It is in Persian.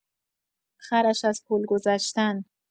خرش از پل گذشتن